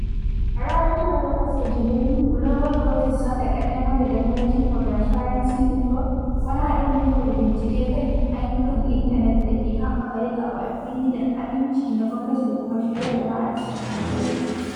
A ranar 18 ga Janairu, Global Voices za ta ƙaddamar da Technology for Transparency Network, wani haɗin gwiwar bincike kan ayyukan intanet da ke haɓaka yin abu a fili da aminci na gwamnati da kuma shigar jama'a cikin harkoki.